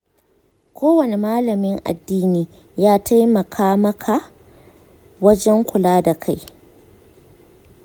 ko wani malamin addini ya taimakamaka wajen kula da kai?